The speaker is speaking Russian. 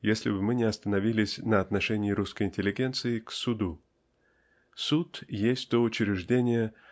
если бы мы не остановились на отношении русской интеллигенции к суду. Суд есть то учреждение